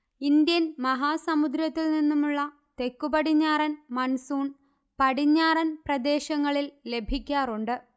Indian മഹാസമുദ്രത്തിൽനിന്നുമുള്ള തെക്കുപടിഞ്ഞാറൻ monsoon പടിഞ്ഞാറൻ പ്രദേശങ്ങളിൽ ലഭിക്കാറുണ്ട്